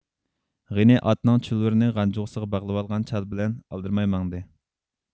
غېنى ئاتنىڭ چۇلۋۇرىنى غانجۇغىسىغا باغلىۋالغان چال بىلەن ئالدىرىماي ماڭدى